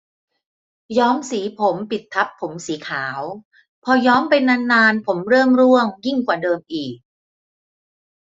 ย้อมสีผมปิดทับผมสีขาวพอย้อมไปนานนานผมเริ่มร่วงยิ่งกว่าเดิมอีก